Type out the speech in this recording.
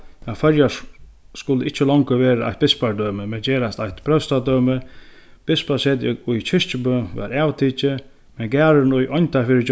at føroyar skulu ikki longur vera eitt men gerast eitt próstadømi bispasetrið í kirkjubø varð avtikið men garðurin í oyndarfirði